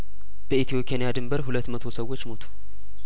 በኢትዮኬንያ ድንበር ሁለት መቶ ሰዎች ሞቱ